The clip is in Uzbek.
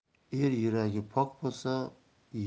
er yuragi pok bo'lsa